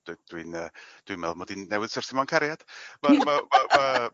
...dw- dwi'n yy dwi'n meddwl mod i newydd syrthio mewn cariad.